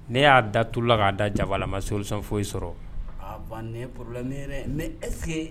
Ne y'a da tulu la ,k'a da jaba la n ma solution foyi sɔrɔ. Aa Ba nin ye problème ye dɛ!